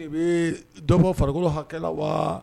I bɛ dɔbɔ farikolokolo hakɛ la wa